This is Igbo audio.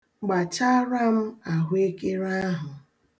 Gbachaara m ahụekere ahụ.